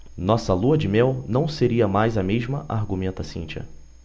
nossa lua-de-mel não seria mais a mesma argumenta cíntia